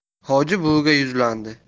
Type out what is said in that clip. hoji buviga yuzlandi